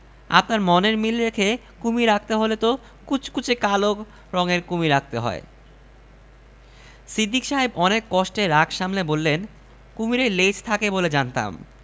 সে কুমীরের ছবি ঐকে চারদিকে ছয়লাপ করে দেবে তাকে যত্নে রাখবেন গাজা না খেয়ে সে ছবি আঁকতে পারে না